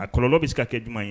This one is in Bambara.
A kɔlɔlɔ bɛ se ka kɛ j ɲuman ye